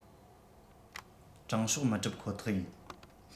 དྲང ཕྱོགས མི གྲུབ ཁོ ཐག ཡིན